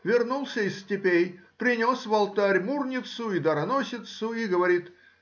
вернулся из степей, принес в алтарь мирницу и дароносицу и говорит